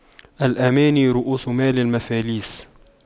الأماني رءوس مال المفاليس